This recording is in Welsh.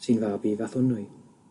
sy'n fab i Fathonwy.